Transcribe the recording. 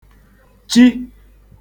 chi